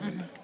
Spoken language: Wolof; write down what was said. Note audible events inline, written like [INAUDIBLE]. [HESITATION] [HESITATION]